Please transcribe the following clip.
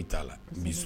I bɛ taa la